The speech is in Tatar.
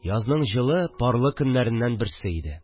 Язның җылы, парлы көннәреннән берсе иде